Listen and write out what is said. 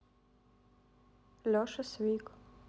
леша свик